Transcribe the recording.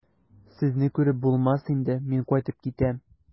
Сезне күреп булмас инде, мин кайтып китәм.